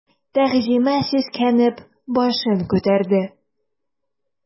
Тәгъзимә сискәнеп башын күтәрде.